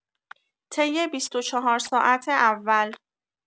طی ۲۴ ساعت اول